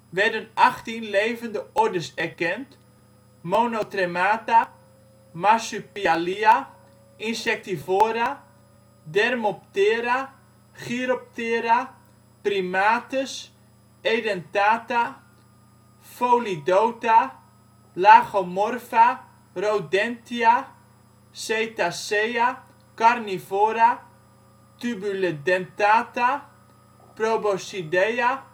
werden achttien levende ordes erkend: Monotremata, Marsupialia, Insectivora, Dermoptera, Chiroptera, Primates, Edentata, Pholidota, Lagomorpha, Rodentia, Cetacea, Carnivora, Tubulidentata, Proboscidea